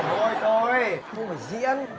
thôi thôi không phải diễn